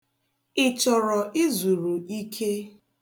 Ị chọrọ izuru ike?